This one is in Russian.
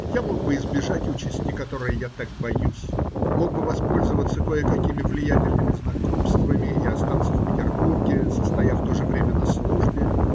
Я мог бы избежать участи, которой я так боюсь, мог бы воспользоваться кое-какими влиятельными знакомствами и остаться в Петербурге, состоя в то же время на службе.